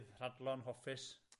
hadlon hopus.